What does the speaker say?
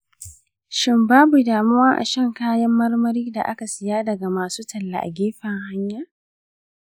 shin babu damuwa a sha kayan marmari da aka siya daga masu talla a gefen hanya?